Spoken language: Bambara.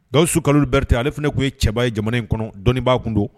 Gayusu Kalilu Berete ale fana kun ye cɛ ba ye jamana in kɔnɔ. Dɔnnii baa kun don